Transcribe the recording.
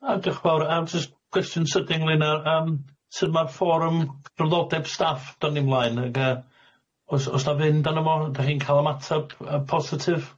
A diolch fawr yym jys- cwestiwn sydyn ynglyn â yyy yym sud ma'r fforwm cydraddodeb staff dod i mlaen ag yy os- osna fynd arno fo dach chi'n cal ymateb y- y- positif?